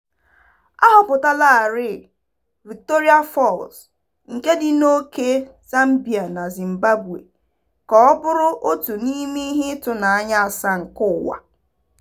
Ahọpụtalarị Victoria Falls nke dị n'ókè Zambia na Zimbabwe ka ọ bụrụ otu n'ime ihe ịtụnanya asaa nke ụwa.